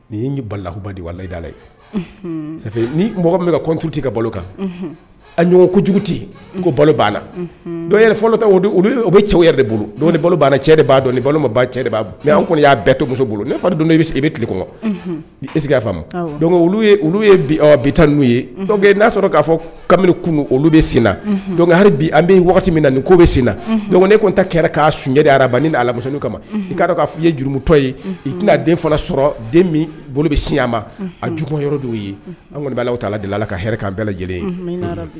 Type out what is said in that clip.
Ni ye balolakubadiyi ni mɔgɔ mintu tɛ ka balo kan a ɲ jugu ko balo' la fɔlɔ ta bɛ cɛw yɛrɛ de bolo ni cɛ b' dɔn ni balo an kɔni y'a bɛɛ to muso bolo ne fa don i bɛ se i bɛ tile i sigi olu bi n'u ye n'aa sɔrɔ k'a fɔ kabini kun olu bɛ sen na bi an bɛ min na nin ko bɛ sen na dɔn ne tun ta kɛra k'a sunjata araban ni' alamusonin kama i k' f fɔ i ye juruumutɔ ye i tɛna den fɔlɔ sɔrɔ den min bolo bɛ si a ma a j yɔrɔ ye an kɔni b'a bɛ' ala delila ka hɛrɛ k' bɛɛ lajɛlen ye